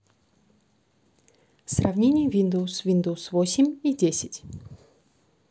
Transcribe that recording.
сравнение windows windows восемь и десять